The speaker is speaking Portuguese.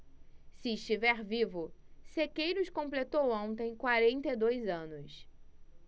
se estiver vivo sequeiros completou ontem quarenta e dois anos